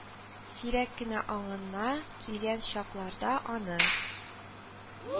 Сирәк кенә аңына килгән чакларда аны